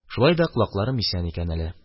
Шулай да колакларым исән икән әле